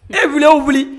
Den wuliw wuli